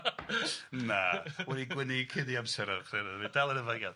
Na, wedi gwyni cuddio amser ar y chranedd i dal yn y fagan.